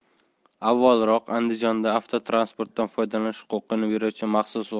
avvalroq andijonda avtotransportdan foydalanish huquqini beruvchi maxsus